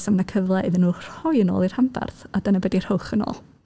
So ma' 'na cyfle iddyn nhw rhoi yn ôl i'r rhanbarth, a dyna be 'di Rhowch Yn Ôl.